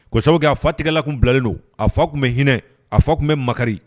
Ko Sabu kɛ a fa tigɛla tun bilalen don, a fa tun bɛ hinɛ, a fa tun bɛ makari